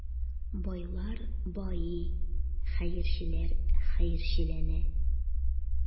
Байлар байый, хәерчеләр хәерчеләнә.